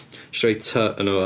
Wnes i roid t ynddo fo.